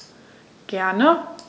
Gerne.